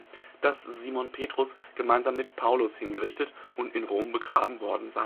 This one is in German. Simon Petrus gemeinsam mit Paulus hingerichtet und in Rom begraben worden